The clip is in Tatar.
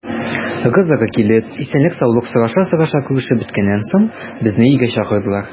Ыгы-зыгы килеп, исәнлек-саулык сораша-сораша күрешеп беткәннән соң, безне өйгә чакырдылар.